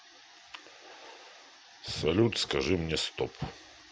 салют скажи мне стоп